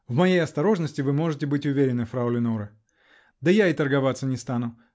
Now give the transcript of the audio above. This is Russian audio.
-- В моей осторожности вы можете быть уверены, фрау Леноре! Да я и торговаться не стану.